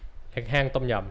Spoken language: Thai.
เล็กแห้งต้มยำ